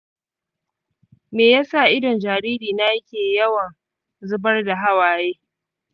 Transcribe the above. me ya sa idon jaririna yake yawan zubar da hawaye?